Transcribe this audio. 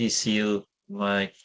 Dydd Sul mae...